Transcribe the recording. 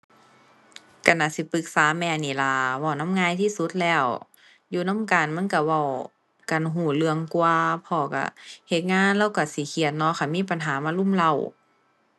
ก็น่าสิปรึกษาแม่นี่ล่ะ เว้านำง่ายที่สุดแล้วอยู่นำกันมันก็เว้ากันก็เรื่องกว่า พ่อก็เฮ็ดงานเลาก็สิเครียดเนาะคันมีปัญหามารุมเร้า